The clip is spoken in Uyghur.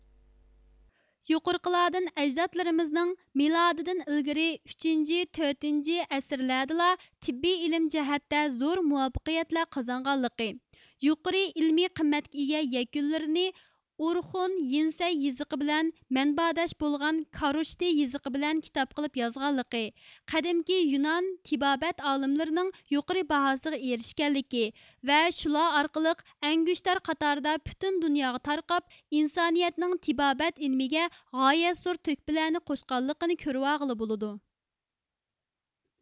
يۇقىرىقىلاردىن ئەجدادلىرىمىزنىڭ مىلادىدىن ئىلگىرى ئۈچىنچى تۆتىنچى ئەسىرلەردىلا تىببىي ئىلىم جەھەتتە زور مۇۋەپپەقىيەتلەر قازانغانلىقى يۇقىرى ئىلمىي قىممەتكە ئىگە يەكۈنلىرىنى ئۇرخۇن يىنسەي يېزىقى بىلەن مەنبەداش بولغان كاروشتى يېزىقى بىلەن كىتاب قىلىپ يازغانلىقى قەدىمكى يۇنان تىبابەت ئالىملىرىنىڭ يۇقىرى باھاسىغا ئېرىشكەنلىكى ۋە شۇلار ئارقىلىق ئەنگۈشتەر قاتارىدا پۈتۈن دۇنياغا تارقاپ ئىنسانىيەتنىڭ تىبابەت ئىلمىگە غايەت زور تۆھپىلەرنى قوشقانلىقىنى كۆرۈۋالغىلى بولىدۇ